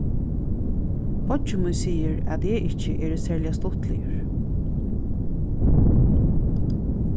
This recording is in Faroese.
beiggi mín sigur at eg ikki eri serliga stuttligur